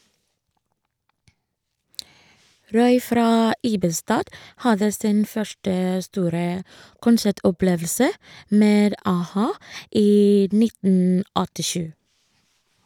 Roy fra Ibestad hadde sin første store konsertopplevelse med a-ha i 1987.